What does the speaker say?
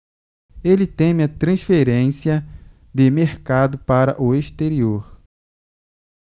ele teme a transferência de mercado para o exterior